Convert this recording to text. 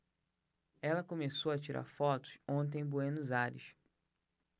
ela começou a tirar fotos ontem em buenos aires